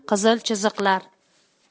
qizil chiziqlar